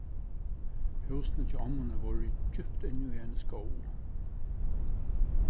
húsini hjá ommuni vóru djúpt inni í einum skógi